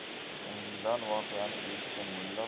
undan voqeani eshitgan mulla